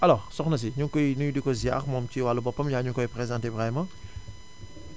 alors soxna si ñu ngi koy nuyu di ko ziar moom ci wàllu boppam yaa ñu koy présenté Ibrahima